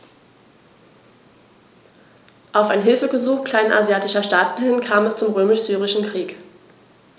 Auf ein Hilfegesuch kleinasiatischer Staaten hin kam es zum Römisch-Syrischen Krieg.